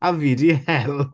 A fi 'di Hel!